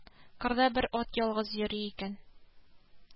Кырда бер ат ялгыз йөри икән